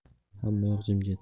hammayoq jimjit